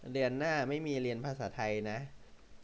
เดือนหน้าไม่มีเรียนภาษาไทยนะ